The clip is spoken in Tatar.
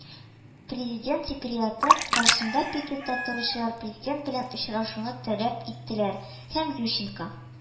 Президент секретариаты каршында пикетта торучылар президент белән очрашуны таләп итәләр һәм «Ющенко